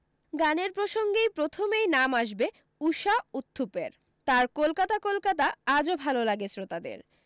গানের প্রসঙ্গে প্রথমেই নাম আসবে ঊষা উত্থুপের তার কলকাতা কলকাতা আজও ভাল লাগে শ্রোতাদের